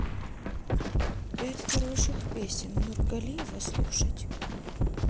пять хороших песен нургалиева слушать